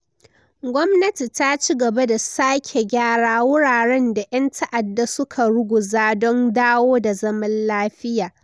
Gwamnati ta ci gaba da sake gyara wuraren da 'yan ta'adda suka ruguza don dawo da zaman lafiya.